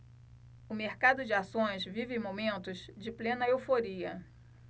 o mercado de ações vive momentos de plena euforia